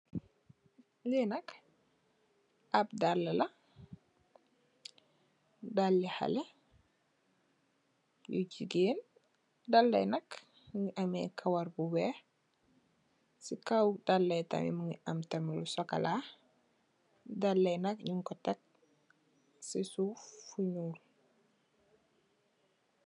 Ak dala hale yu jigen am kawar bu wekh ak socola mung si suf